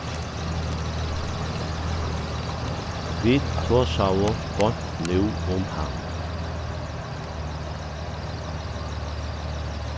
vit tosaðu beint nú um hann